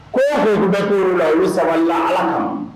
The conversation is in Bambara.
Ko duuru bɛ la i sabali ala kan